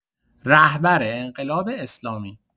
رهبر انقلاب اسلامی